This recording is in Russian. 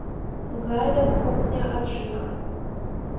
галя кухня аджика